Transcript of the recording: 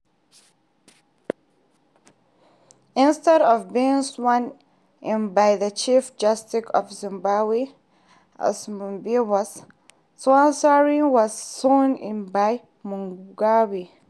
Instead of being sworn in by the Chief Justice of Zimbabwe as Mugabe was, Tsvangirai was sworn in by Mugabe.